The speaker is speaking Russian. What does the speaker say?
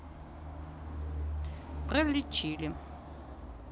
пролечили